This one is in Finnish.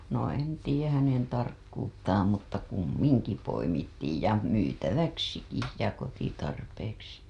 no en tiedä hänen tarkkuuttaan mutta kumminkin poimittiin ja myytäväksikin ja kotitarpeeksi